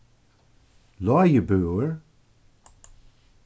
lágibøur